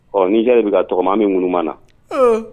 Ɔ n'i jaabi bɛ ka tagama min ŋman na